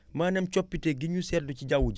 maanaam coppite gi ñu seetlu ci jawu ji